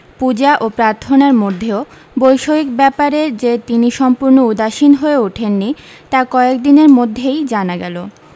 পূজা ও প্রার্থনার মধ্যেও বৈষয়িক ব্যাপারে যে তিনি সম্পূর্ণ উদাসীন হয়ে ওঠেন নি তা কয়েক দিনের মধ্যেই জানা গেলো